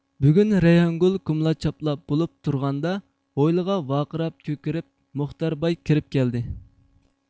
بۈگۈن رەيھانگۈل كۇمىلاچ چاپلاپ بولۇپ تۇرغاندا ھويلىغا ۋارقىراپ كۆكىرىپ مۇختەر باي كىرىپ كەلدى